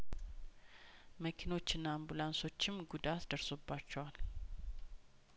መኪኖችና አምቡላንሶችም ጉዳት ደርሶባቸዋል